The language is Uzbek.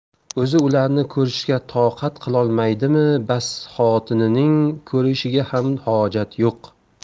o'zi ularni ko'rishga toqat qilolmaydimi bas xotinining ko'rishiga ham hojat yo'q